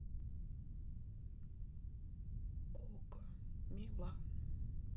коко милан